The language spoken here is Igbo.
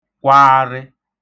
kwaarị